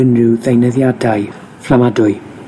unrhyw ddeunyddiadau fflamadwy.